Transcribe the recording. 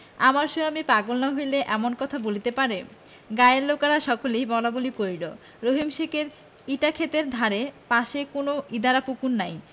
আমার সোয়ামী পাগল না হইলে এমন কথা বলিতে পারে গায়ের লোকেরা সকলেই বলাবলি করিল রহিম শেখের ইটাক্ষেতের ধারে পাশে কোনো ইদারা পুকুর নাই